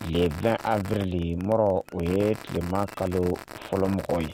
Le 20 avril mɔgɔ o ye tileman kalo fɔlɔ mɔgɔ ye.